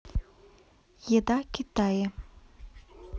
еда в китае